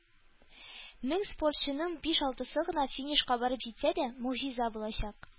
Мең спортчының биш-алтысы гына финишка барып җитсә дә, могҗиза булачак.